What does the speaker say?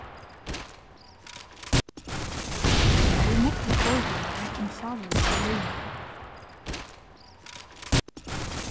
tað eru nógvir fordómar um sálarligar líðingar